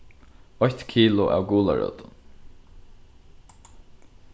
eitt kilo av gularótum